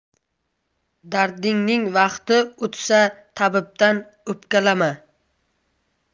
dardingning vaqti o'tsa tabibdan o'pkalama